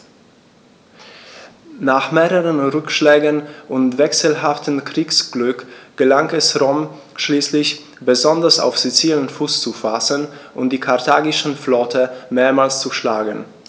Nach mehreren Rückschlägen und wechselhaftem Kriegsglück gelang es Rom schließlich, besonders auf Sizilien Fuß zu fassen und die karthagische Flotte mehrmals zu schlagen.